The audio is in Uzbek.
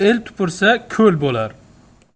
el tupursa ko'l bo'lar